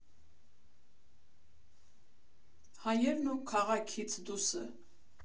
Հայերն ու քաղաքիցդուսը։